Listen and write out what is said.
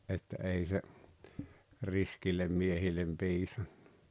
että ei se riskeille miehille piisannut